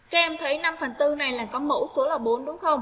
kem khí này là có mẫu số là đúng không